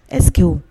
Ɛseke